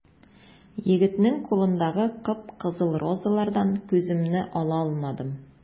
Егетнең кулындагы кып-кызыл розалардан күземне ала алмадым.